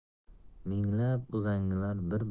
minglab uzangilar bir